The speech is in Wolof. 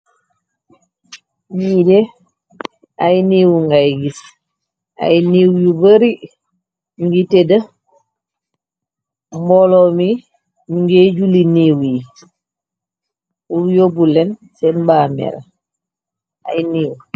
Niidee ay niiwu ngay gis ay niiw yu bari ngi tedda mboolo mi ngee juli niiw yi pur yóbbu leen seen mbaa mel ay niiw.